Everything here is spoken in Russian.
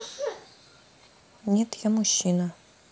нет я мужчина